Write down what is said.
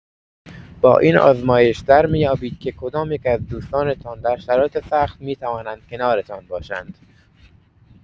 با این آزمایش درمی‌یابید که کدام‌یک از دوستانتان در شرایط سخت می‌توانند کنارتان باشند.